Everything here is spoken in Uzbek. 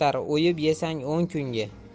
yetar o'yib yesang o'n kunga